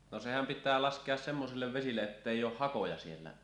no sehän pitää laskea semmoisille vesille - että ei ole hakoja siellä